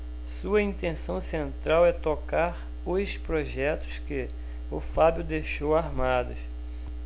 sua intenção central é tocar os projetos que o fábio deixou armados